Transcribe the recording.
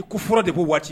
I ko fɔlɔ de ko waati